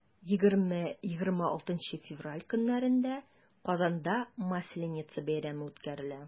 20-26 февраль көннәрендә казанда масленица бәйрәме үткәрелә.